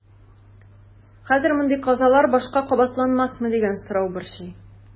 Хәзер мондый казалар башка кабатланмасмы дигән сорау борчый.